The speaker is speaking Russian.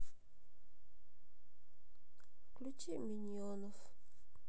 включи миньонов